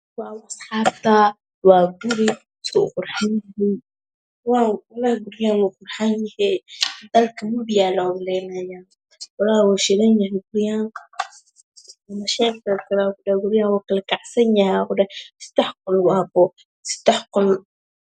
Waaw asxabtawaa guri suu qurxan yahay waaw dalka la maba yalosuduu uqurxan yaahy boo sedax qolwabo